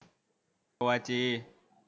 โกวาจี